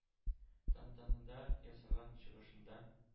Тантанада ясаган чыгышында